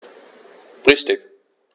Richtig